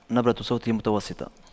نبرة صوته متوسطة